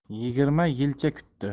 yigirma yilcha kutdi